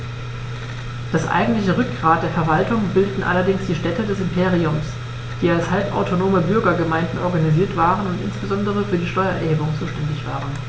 Das eigentliche Rückgrat der Verwaltung bildeten allerdings die Städte des Imperiums, die als halbautonome Bürgergemeinden organisiert waren und insbesondere für die Steuererhebung zuständig waren.